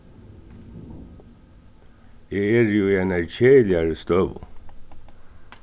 eg eri í eini keðiligari støðu